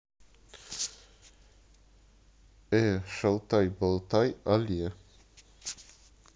э шалтай болтай але